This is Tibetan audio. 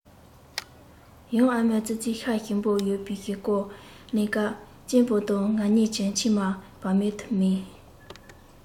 ཡང ཨ མས ཙི ཙིའི ཤ ཞིམ པོ ཡོད པའི སྐོར གླེང སྐབས གཅེན པོ དང ང གཉིས ཀྱིས མཆིལ མ བར མེད དུ མིད